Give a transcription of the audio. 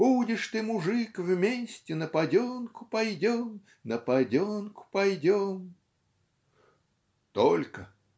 Будешь ты мужик, вместе на поденку пойдем! На поденку пойдем". Только.